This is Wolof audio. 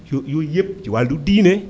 yo yooyu yëpp ci wàllu diine